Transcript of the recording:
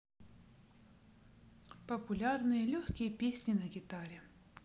популярные легкие песни на гитаре